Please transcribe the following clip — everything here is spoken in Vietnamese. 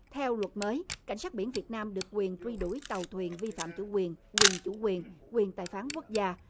theo luật mới cảnh sát biển việt nam được quyền truy đuổi tàu thuyền vi phạm chủ quyền quyền chủ quyền quyền tài phán quốc gia